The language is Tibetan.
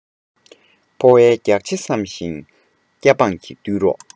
ཕོ བའི རྒྱགས ཕྱེ བསམ ཞིང སྐྱ འབངས ཀྱི བརྟུལ རོགས